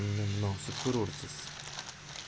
meni unga munosib ko'rursiz